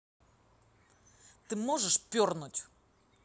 ты можешь пернуть